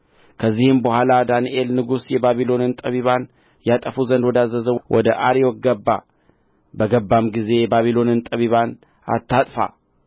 ከዚህም በኋላ ዳንኤል ንጉሡ የባቢሎንን ጠቢባን ያጠፋ ዘንድ ወዳዘዘው ወደ አርዮክ ገባ በገባም ጊዜ የባቢሎንን ጠቢባን አታጥፋ